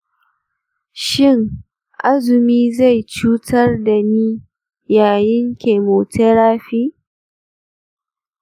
shin azumi zai cutar da ni yayin chemotherapy?